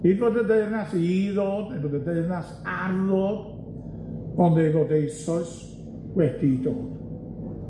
nid fod y deyrnas i ddod, neu bod y deyrnas ar ddod, ond ei fod eisoes wedi dod.